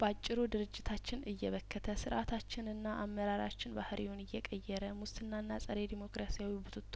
ባጭሩ ድርጅታችን እየበከተ ስርአታችንና አመራራችን ባህርይውን እየቀየረ ሙስናና ጸረ ዴሞክራሲያዊ ቡትቶ